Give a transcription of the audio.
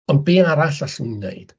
Ond be arall allwn ni wneud?